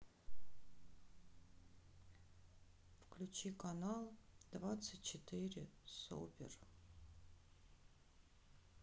включи канал двадцать четыре супер